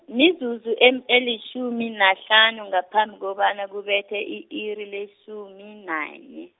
mizuzu em- elitjhumi nahlanu ngaphambi kobana kubethe i-iri lesumi nanye.